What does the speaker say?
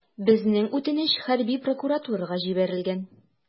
Безнең үтенеч хәрби прокуратурага җибәрелгән.